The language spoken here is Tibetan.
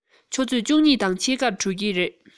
ཆུ ཚོད བཅུ གཉིས དང ཕྱེད ཀར གྲོལ གྱི རེད